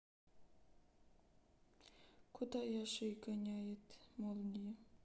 куда яшей гоняет молния